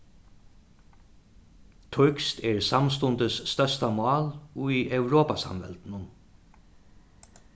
týskt er samstundis størsta mál í europasamveldinum